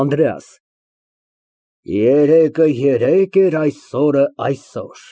ԱՆԴՐԵԱՍ ֊ Երեկը երեկ էր, այսօրը ֊ այսօր։